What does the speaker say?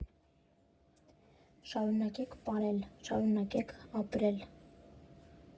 Շարունակե՛ք պարել, շարունակե՛ք ապրել։